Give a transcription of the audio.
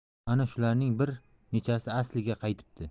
ana shularning bir nechasi asliga qaytibdi